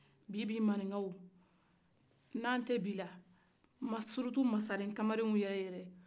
bi-bi maninkaw n'an tɛ bi la surutu masaren kamalenw yɛrɛyɛrɛw